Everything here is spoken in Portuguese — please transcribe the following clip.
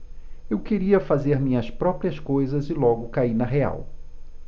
eu queria fazer minhas próprias coisas e logo caí na real